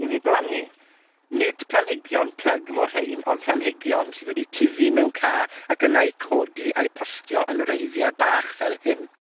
i fi blannu. Nid planhigion plyg mo rhein ond planhigion sydd wedi tifu mewn ca ac yna'u codi a'u postio yn wreiddie bach fel hyn.